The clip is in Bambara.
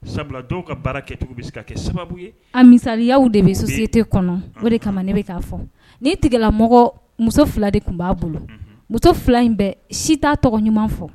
Sabuladenw ka baara kɛ kɛ sababu ye a misayaw de bɛ soso sete kɔnɔ o de kama ne bɛ ka fɔ ni tigala mɔgɔ muso fila de tun b'a bolo muso fila in bɛ si t' tɔgɔ ɲuman fɔ